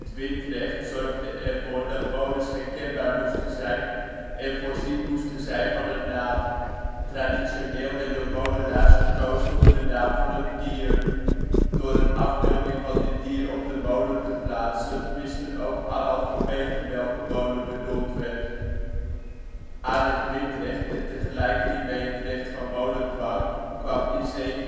windrecht zorgde ervoor dat molens herkenbaar moesten zijn en voorzien moesten zijn van een naam. Traditioneel werd door molenaars gekozen voor de naam van een dier. Door een afbeelding van dit dier op de molen te plaatsen wisten ook analfabeten welke molen bedoeld werd. Aan het windrecht (en tegelijk hiermee het recht van molendwang) kwam in 1798